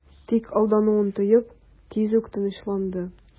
Тик алдануын тоеп, тиз үк тынычланды...